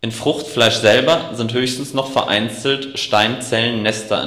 Fruchtfleisch selber sind höchstens noch vereinzelt Steinzellennester